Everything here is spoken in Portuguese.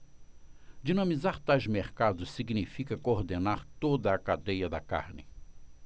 dinamizar tais mercados significa coordenar toda a cadeia da carne